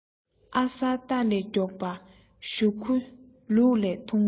ཨ གསར རྟ ལས མགྱོགས པ ཞུ གུ ལུག ལས ཐུང བ